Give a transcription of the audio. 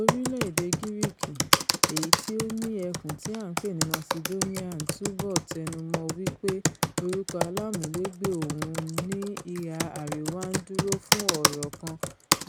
Orílẹ̀-èdè Gíríkì, èyití ó ni ẹkùn tí a ń pè ni Masidóníà, ń túbọ̀ tẹnumọ́ wí pé orúkọ aláàmúlégbè òun ní ìhà àríwá ń dúró fún ọ̀rọ̀ kan